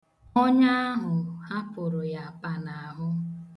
Ọnya ahụ hapụrụ ya apa n' ahụ.